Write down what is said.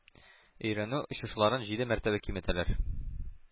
Өйрәнү очышларын җиде мәртәбә киметәләр,